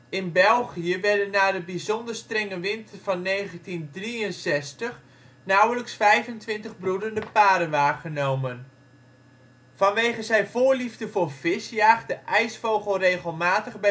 In België werden na de bijzonder strenge winter van 1963 nauwelijks 25 broedende paren waargenomen. Vanwege zijn voorliefde voor vis jaagt de ijsvogel regelmatig